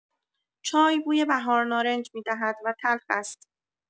چای بوی بهارنارنج می‌دهد و تلخ است.